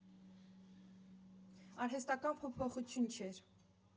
Արհեստական փոփոխություն չէր։